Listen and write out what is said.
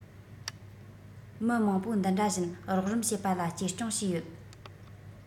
མི མང པོ འདི འདྲ བཞིན རོགས རམ བྱེད པ ལ གཅེས སྐྱོང བྱས ཡོད